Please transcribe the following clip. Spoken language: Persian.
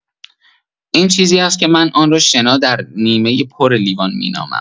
این چیزی است که من آن را «شنا در نیمه پر لیوان» می‌نامم.